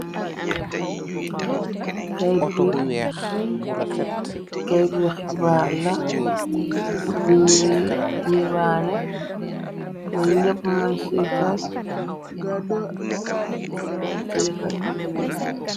kaytu wi xibaar la. Buñuy yébaane bu ñepp mën ci jat ciri fat.